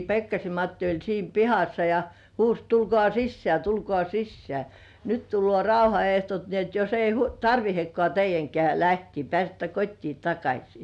Pekkasen Matti oli siinä pihassa ja huusi tulkaa sisään tulkaa sisään nyt tulee rauhanehdot niin että jos ei - tarvitsekaan teidänkään lähteä pääsette kotiin takaisin